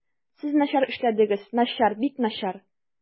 Сез начар эшләдегез, начар, бик начар.